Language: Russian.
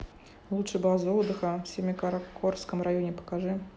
лучшие базы отдыха в семикаракорском районе покажи